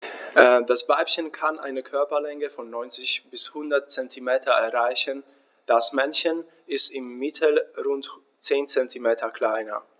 Das Weibchen kann eine Körperlänge von 90-100 cm erreichen; das Männchen ist im Mittel rund 10 cm kleiner.